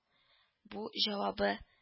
Бу җавабы